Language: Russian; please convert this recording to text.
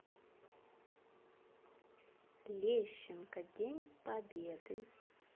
лещенко день победы